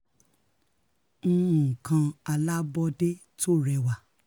Nǹkan alábọ́de tórẹwà.